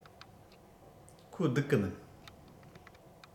ཁོ བསྡུག གི མིན